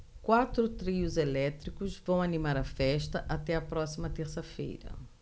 quatro trios elétricos vão animar a festa até a próxima terça-feira